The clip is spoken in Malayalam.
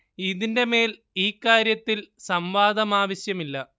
ഇതിന്റെ മേൽ ഈ കാര്യത്തിൽ സംവാദം ആവശ്യമില്ല